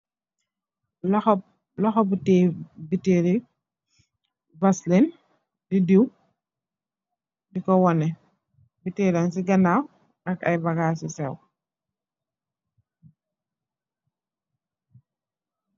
Lohu bu teyeh but buteli baseline bu deew duku waneh ak aye buttel mungsi ganaw ak aye bagas yu sew